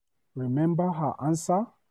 "Remember her answer?